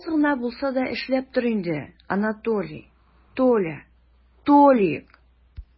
Аз гына булса да эшләп тор инде, Анатолий, Толя, Толик!